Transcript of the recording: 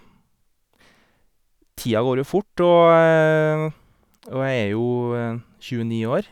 Tida går jo fort og og jeg er jo tjueni år.